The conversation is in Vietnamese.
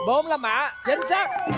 bốn la mã chính xác